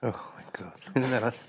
Oh my God. Unrywbe arall?